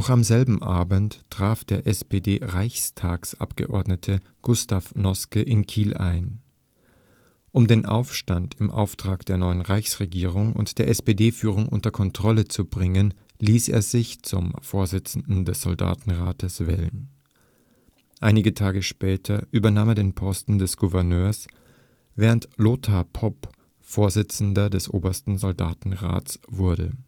am selben Abend traf der SPD-Reichstagsabgeordnete Gustav Noske in Kiel ein. Um den Aufstand im Auftrag der neuen Reichsregierung und der SPD-Führung unter Kontrolle zu bringen, ließ er sich zum Vorsitzenden des Soldatenrats wählen. Einige Tage später übernahm er den Posten des Gouverneurs, während Lothar Popp Vorsitzender des Obersten Soldatenrats wurde